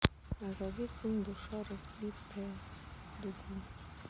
наговицын душа разбитая в дугу